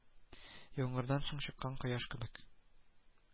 Яңгырдан соң чыккан кояш кебек